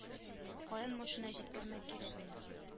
Каян машина җиткермәк кирәк аңа